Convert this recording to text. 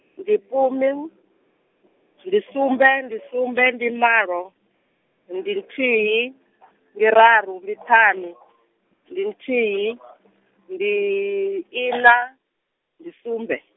ndi pumu, ndi sumbe, ndi sumbe, ndi malo, ndi nthihi , ndi raru, ndi ṱhanu, ndi nthihi, ndi ina, ndi sumbe.